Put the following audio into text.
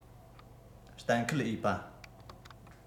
གཏན འཁེལ འོས པ